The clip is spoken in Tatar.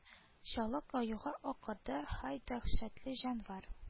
Чалык аюга акырды - һай дәһшәтле җанвар